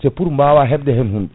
c' est pour bawa hebde hen hunde